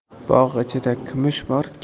bog' ichida kumush